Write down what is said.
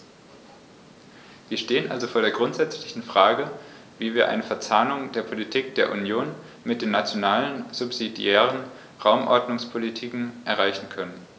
Wir stehen also vor der grundsätzlichen Frage, wie wir eine Verzahnung der Politik der Union mit den nationalen subsidiären Raumordnungspolitiken erreichen können.